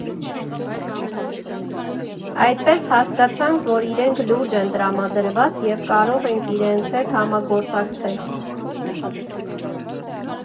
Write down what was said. Այդպես հասկացանք, որ իրենք լուրջ են տրամադրված, և կարող ենք իրենց հետ համագործակցել։